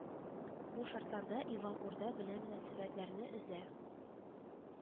Бу шартларда Иван Урда белән мөнәсәбәтләрне өзә